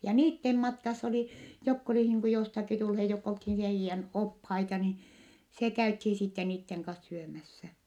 ja niiden matkassa oli jotka oli niin kuin jostakin tulleet jotka oltiin heidän oppaita niin se käytiin sitten niiden kanssa syömässä